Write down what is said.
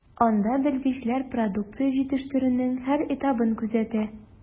Анда белгечләр продукция җитештерүнең һәр этабын күзәтә.